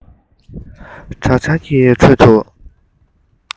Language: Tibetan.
དྲག ཆར གྱི ཁྲོད དུ